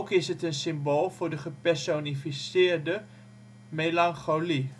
is het een symbool voor de gepersonifieerde melancholie